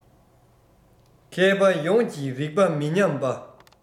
མཁས པ ཡོངས ཀྱི རིག པ མི ཉམས པ